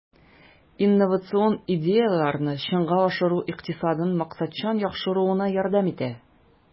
Инновацион идеяләрне чынга ашыру икътисадның максатчан яхшыруына ярдәм итә.